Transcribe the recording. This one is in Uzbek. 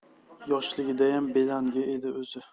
yoshligidayam belangi edi o'zi